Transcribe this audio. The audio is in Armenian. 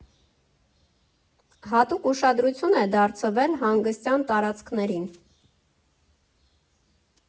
Հատուկ ուշադրություն է դարձվել հանգստյան տարածքներին.